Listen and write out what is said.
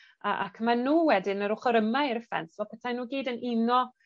A ac ma' nw wedyn yr ochor yma i'r ffens fel petai nw gyd yn uno